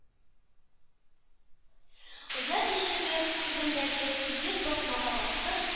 Оя тишеге төбендәге тигез басмага басып